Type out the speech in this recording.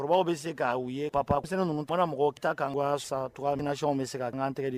Cɛkɔrɔbaw bɛ se k' uu ye, papaw, u bɛ se ka ninnu, u mana mɔgɔw ta kɛ an bu a sa togo ya min nomination bɛ se ka an ka tɛgɛ di